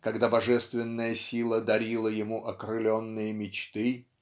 когда божественная сила дарила ему окрыленные мечты